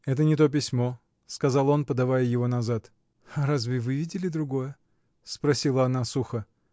— Это не то письмо, — сказал он, подавая его назад. — А разве вы видели другое? — спросила она сухо.